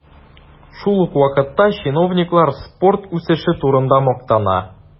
Шул ук вакытта чиновниклар спорт үсеше турында мактана.